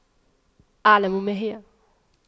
أعلم ماهي